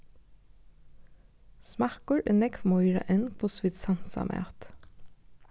smakkur er nógv meira enn hvussu vit sansa mat